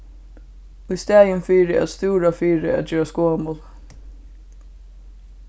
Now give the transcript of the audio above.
ístaðin fyri at stúra fyri at gerast gomul